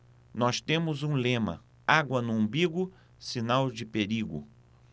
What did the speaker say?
nós temos um lema água no umbigo sinal de perigo